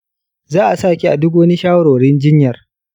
za'a saki a duk wani shawarwarin jinyar.